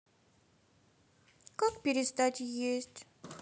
как перестать есть